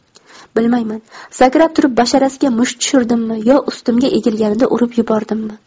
bilmayman sakrab turib basharasiga musht tushirdimmi yo ustimga egilganida urib yubordimmi